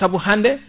saabu hande